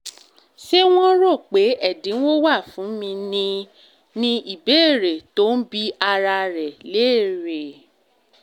”Ṣé wọ́n rò pé ẹ̀dínwó wà fún mi ni?” ni ìbéèrè tó ń bi ara ẹ̀ léèrè.